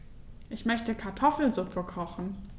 Ich möchte Kartoffelsuppe kochen.